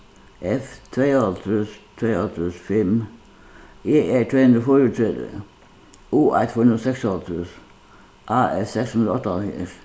f tveyoghálvtrýss tveyoghálvtrýss fimm e r tvey hundrað og fýraogtretivu u eitt fýra hundrað og seksoghálvtrýss a s seks hundrað og áttaoghálvfjerðs